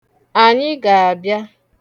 Anyị ga-abịa.